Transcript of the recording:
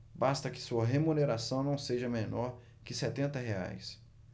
basta que sua remuneração não seja menor que setenta reais